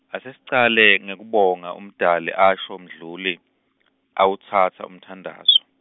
ase sicale, ngekubonga umdali asho Mdluli , awutsatsa umthandazo.